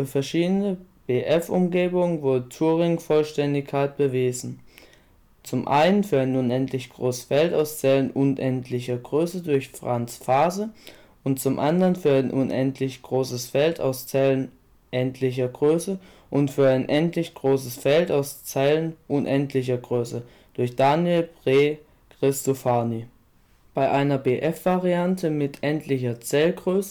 verschiedene BF-Umgebungen wurde Turing-Vollständigkeit bewiesen: Für ein unendlich großes Feld aus Zellen unendlicher Größe durch Frans Faase. Für ein unendlich großes Feld aus Zellen endlicher Größe und für ein endlich großes Feld aus Zellen unendlicher Größe durch Daniel B. Cristofani. Bei einer BF-Variante mit endlicher Zellgröße